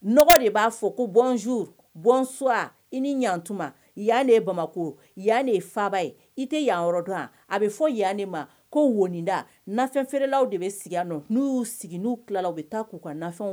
Dɔgɔ de b'a fɔ ko bɔnj ya ye bamakɔ ya ye fa ye i tɛ yan dɔn a bɛ fɔ yan ma ko winda feereerelalaw de bɛ sigi n'u y'u sigi'u tilala u bɛ taa k'u kafɛn